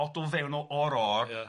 ...odl fewnol or or... Ia